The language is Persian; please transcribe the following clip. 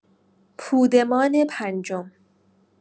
پودمان پنجم